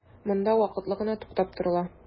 Монда вакытлы гына туктап торыла.